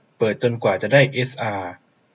เปิดจนกว่าจะได้เอสอา